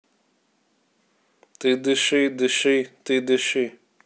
ты дыши дыши ты дыши